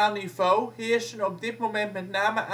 niveau heersen op dit moment met name